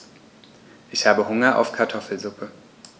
Ich habe Hunger auf Kartoffelsuppe.